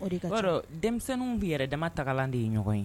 Denmisɛnninw bɛ yɛrɛ dama tagalan de ye ɲɔgɔn ye